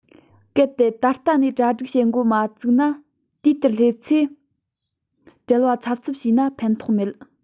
གལ ཏེ ད ལྟ ནས གྲ སྒྲིག བྱེད འགོ མ བཙུགས ན དུས དེར སླེབས ཚེ བྲེལ བ ཚབ ཚུབ བྱས ན ཕན ཐོགས མེད